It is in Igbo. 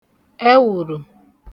ẹwụ̀rụ̀